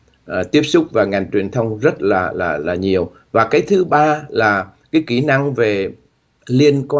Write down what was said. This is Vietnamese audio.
tiếp xúc và ngành truyền thông rất là là là nhiều và cái thứ ba là cái kỹ năng về liên quan